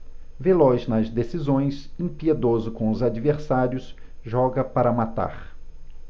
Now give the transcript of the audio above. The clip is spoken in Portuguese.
veloz nas decisões impiedoso com os adversários joga para matar